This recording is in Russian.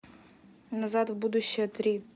назад в будущее три